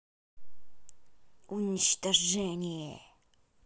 уничтожение